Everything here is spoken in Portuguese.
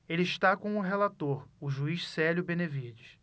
ele está com o relator o juiz célio benevides